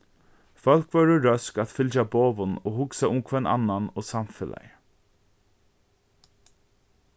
fólk vóru røsk at fylgja boðum og hugsa um hvønn annan og samfelagið